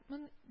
Мын